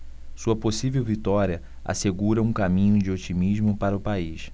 sua possível vitória assegura um caminho de otimismo para o país